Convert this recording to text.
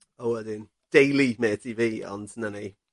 O ydyn. Daily, mêt, i fi. Ond 'na ni.